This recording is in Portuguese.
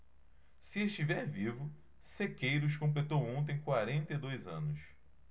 se estiver vivo sequeiros completou ontem quarenta e dois anos